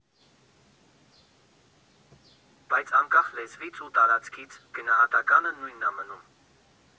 Բայց անկախ լեզվից ու տարածքից՝ գնահատականը նույնն ա մնում։